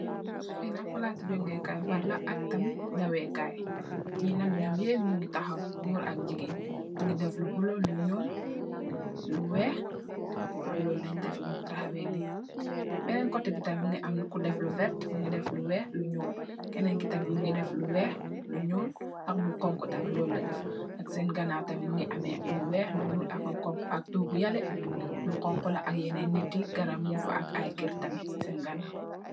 Fii nak, palaasu jongante Kaay bal la ak dawee kaay. Ñii nak ñom ñeep nak ñu ngi taxaw, góor ak jigéen, ñu ngi def lu bulo, lu ñuul, lu weex, waaw lool lañ def ñu taxee nii. Benen kotte bi tam mu ngi am ku def lu werta, lu weex, lu ñuul. Kenen ki tam mu ngi def lu weex, lu ñuul, ak lu xoñxu tamit. Ak seen ganaaw tamit mu ngi..lu weex, lu ñuul aku xoñxu..ak toggu yëlle, lu xoñxu mu g fa ak ay